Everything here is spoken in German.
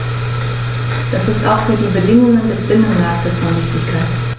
Das ist auch für die Bedingungen des Binnenmarktes von Wichtigkeit.